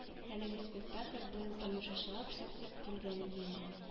Әлеге спектакль быел тамашачыга күрсәт телгән иде инде